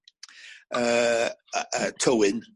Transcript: yy yy yy Tywyn